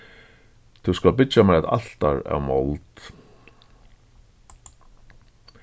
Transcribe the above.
tú skalt byggja mær eitt altar av mold